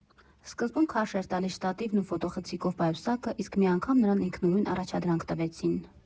Սկզբում քարշ էր տալիս շտատիվն ու ֆոտոխցիկով պայուսակը, իսկ մի անգամ նրան ինքնուրույն առաջադրանք տվեցին։